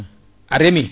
a reemi